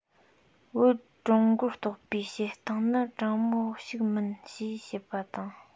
བོད ཀྲུང གོར གཏོགས པའི བཤད སྟངས ནི དྲང པོ ཞིག མིན ཞེས བཤད པ དང